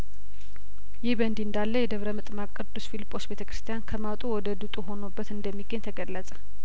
ይህ በእንዲህ እንዳለ የደብረ ምጥማቅ ቅዱስ ፊልጶስ ቤተክርስቲያን ከማጡ ወደ ድጡ ሆኖበት እንደሚገኝ ተገለጸ